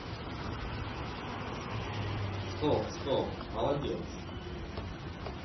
стоп стоп молодец